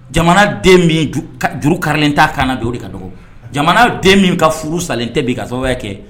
Jamana den juru karilen ta kaana don o ka dɔgɔ jamana den min ka furu salen tɛ bi ka sababu kɛ